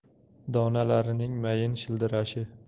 donalarining mayin shildirashi